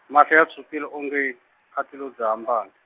mahlo ya tshwukile o nge, a ti lo dzaha mbangi.